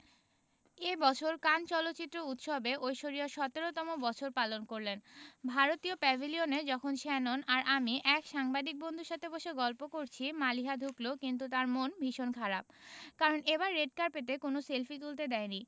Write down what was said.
এ বছর কান চলচ্চিত্র উৎসবে ঐশ্বরিয়া ১৭তম বছর পালন করলেন ভারতীয় প্যাভিলিয়নে যখন শ্যানন আর আমি এক সাংবাদিক বন্ধুর সাথে বসে গল্প করছি মালিহা ঢুকলো কিন্তু তার মন ভীষণ খারাপ কারণ এবার রেড কার্পেটে কোনো সেলফি তুলতে দেয়নি